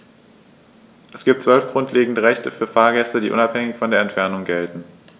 Es gibt 12 grundlegende Rechte für Fahrgäste, die unabhängig von der Entfernung gelten.